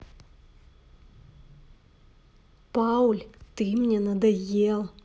paul ты мне надоел